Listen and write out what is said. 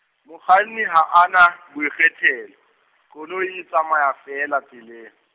mokganni ha a na boikgethelo, koloi e tsamaya feela tseleng.